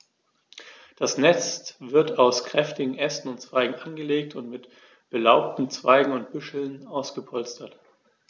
Das Nest wird aus kräftigen Ästen und Zweigen angelegt und mit belaubten Zweigen und Büscheln ausgepolstert.